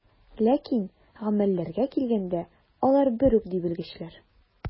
Ләкин гамәлләргә килгәндә, алар бер үк, ди белгечләр.